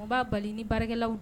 N b'a bali ni barikakɛlawlaw tɛ